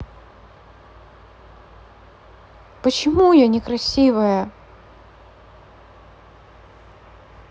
почему я некрасивая